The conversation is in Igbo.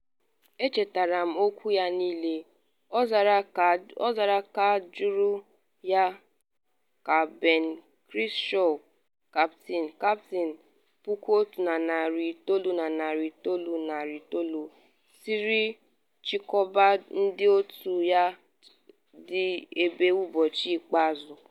“Echetara m okwu ya niile,” ọ zara ka ajụrụ ya ka Ben Crenshaw kaptịn 1999 siri chịkọba ndị otu ya n’ịbanye ụbọchị ikpeazụ.